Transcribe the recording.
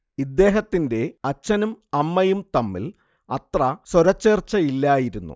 ഇദ്ദേഹത്തിന്റെ അച്ഛനും അമ്മയും തമ്മിൽ അത്ര സ്വരചേർച്ചയിലല്ലായിരുന്നു